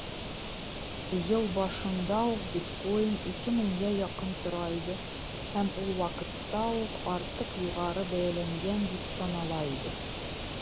Ел башында ук биткоин 2 меңгә якын тора иде һәм ул вакытта ук артык югары бәяләнгән дип санала иде.